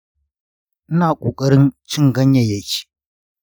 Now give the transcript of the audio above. ina ƙoƙarin cin ganyayyaki.